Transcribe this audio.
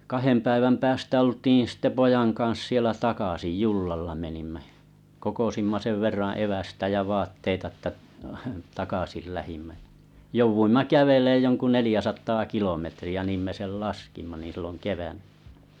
kahden päivän päästä oltiin sitten pojan kanssa siellä takaisin jollalla menimme ja kokosimme sen verran evästä ja vaatteita että takaisin lähdimme ja jouduimme kävelemään jonkun neljäsataa kilometriä niin me sen laskimme niin silloin keväänä